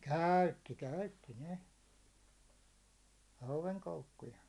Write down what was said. käytti käytti ne hauenkoukkuja